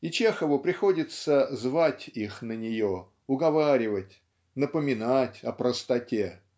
и Чехову приходится звать их на нее уговаривать напоминать о простоте.